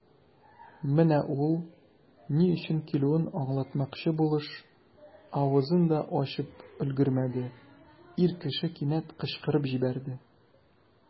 Менә ул, ни өчен килүен аңлатмакчы булыш, авызын да ачып өлгермәде, ир кеше кинәт кычкырып җибәрде.